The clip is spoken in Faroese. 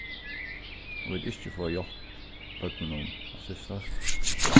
um vit ikki fáa hjálpt børnunum at sissast